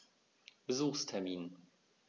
Besuchstermin